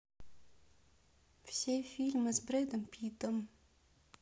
все фильмы с бредом питтом